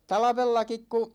talvellakin kun